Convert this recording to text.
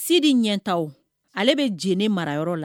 Sidi ɲɛta ale bɛ j marayɔrɔ la